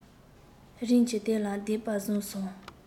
རིམ གྱིས དེ ལ བདེན པར བཟུང སོང